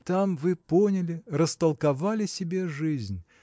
Там вы поняли, растолковали себе жизнь